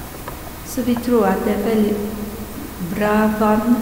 Så vi tror at det er veldig f bra vane.